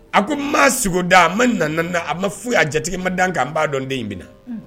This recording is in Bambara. A ko maa sda a mada a ma foyi a jatigi ma dan kan ba dɔn den in bɛna na